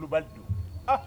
Wilibali don